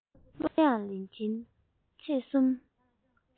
གླུ དབྱངས ལེན གྱིན ཚེས གསུམ